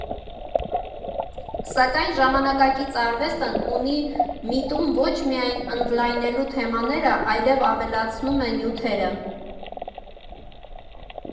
Սակայն ժամանակակից արվեստն ունի միտում ոչ միայն ընդլայնելու թեմաները, այլև ավելացնում է նյութերը։